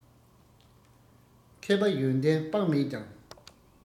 མཁས པ ཡོན ཏན དཔག མེད ཀྱང